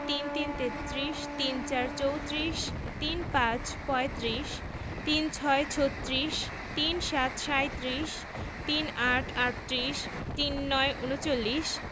৩৩ - তেত্রিশ ৩৪ - চৌত্রিশ ৩৫ - পঁয়ত্রিশ ৩৬ - ছত্রিশ ৩৭ - সাঁইত্রিশ ৩৮ - আটত্রিশ ৩৯ - ঊনচল্লিশ